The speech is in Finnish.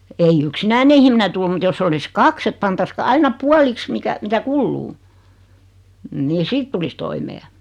ei yksinäinen ihminen tule mutta jos olisi kaksi että pantaisiin - aina puoliksi mikä mitä kuluu niin sitten tulisi toimeen